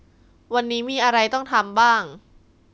วันนี้มีอะไรต้องทำบ้าง